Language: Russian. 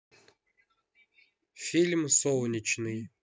фильм солнечный